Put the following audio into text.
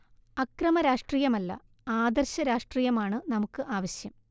അക്രമ രാഷ്ട്രീയമല്ല ആദർശ രാഷട്രീയമാണ് നമുക്ക് ആവശ്യം